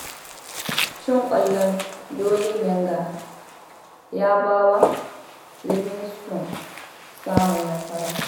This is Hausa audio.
Cin ƙwallon Dolly Menga ya ba wa Livingston samun nasara